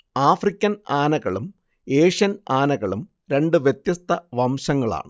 African ആനകളും Asian ആനകളും രണ്ട് വ്യത്യസ്ത വംശങ്ങളാണ്